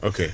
ok